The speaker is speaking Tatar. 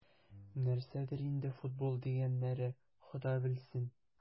Нәрсәдер инде "футбол" дигәннәре, Хода белсен...